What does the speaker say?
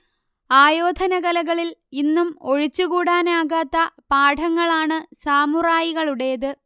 ആയോധന കലകളിൽ ഇന്നും ഒഴിച്ചുകൂടാനാകാത്ത പാഠങ്ങളാണ് സാമുറായികളുടേത്